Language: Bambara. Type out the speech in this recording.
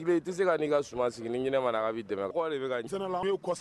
Sigilen dɛmɛ